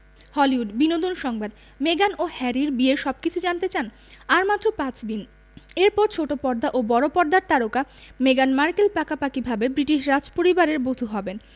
Hollywood বিনোদন সংবাদ মেগান ও হ্যারির বিয়ের সবকিছু জানতে চান আর মাত্র পাঁচ দিন এরপর ছোট পর্দা ও বড় পর্দার তারকা মেগান মার্কেল পাকাপাকিভাবে ব্রিটিশ রাজপরিবারের বধূ হবেন